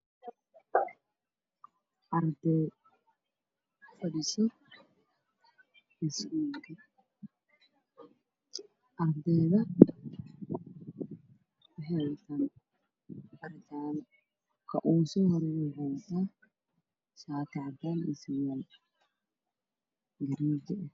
Arday fadhiso iskuul ardayda waxay wataan dhar jaalo eh kan ugu soo horeeyaa wuxuu wataa shaati cadaan iyo surwaal gariijo eh